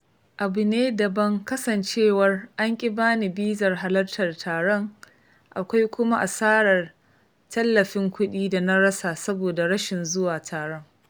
Abu ne dabam kasancewar an ƙi ba ni bizar halartar taron, akwai kuma asarar tallafin kuɗi da na rasa saboda rashin zuwa taron.